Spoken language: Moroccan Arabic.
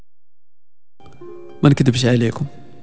مكتب سايكو